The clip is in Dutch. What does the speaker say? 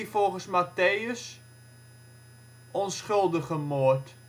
volgens Matteüs: onschuldigenmoord